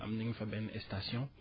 am nañ fa benn station